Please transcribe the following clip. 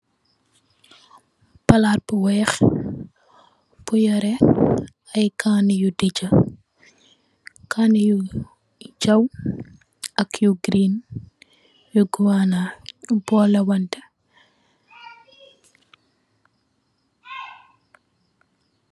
Palaat bu weex, bu yoore ay kane yu digge, kane yu jaw ak yu giriin, yu guwana, boluwante.